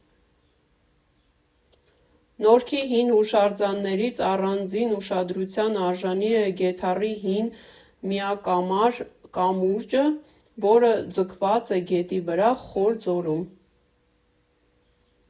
Նորքի հին հուշարձաններից առանձին ուշադրության արժանի է Գետառի հին, միակամար կամուրջը, որ ձգված է գետի վրա խոր ձորում.